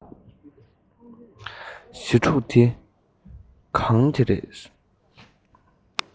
ཞི ཕྲུག དེ གང དེ རེད